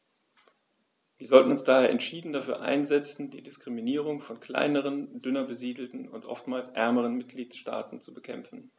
Wir sollten uns daher entschieden dafür einsetzen, die Diskriminierung von kleineren, dünner besiedelten und oftmals ärmeren Mitgliedstaaten zu bekämpfen.